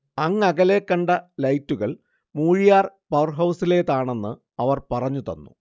അങ്ങകലെ കണ്ട ലൈറ്റുകൾ മൂഴിയാർ പവർഹൗസിലേതാണെന്ന് അവർ പറഞ്ഞു തന്നു